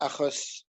achos